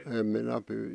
en minä -